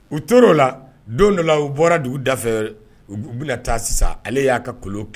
U tora oo la don dɔ la u bɔra dugu dafɛ u bɛna taa sisan ale y'a ka kolon kɛ